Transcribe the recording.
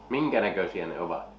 minkä näköisiä ne ovat